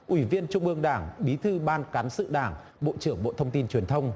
ủy viên trung ương đảng bí thư ban cán sự đảng bộ trưởng bộ thông tin truyền thông